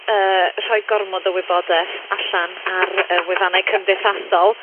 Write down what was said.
yy, rhoi gormod o wybodeth allan ar y wefannau cymdeithasol...